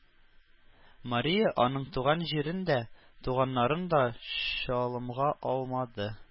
Мария аның туган җирен дә, туганнарын да чалымга алмады.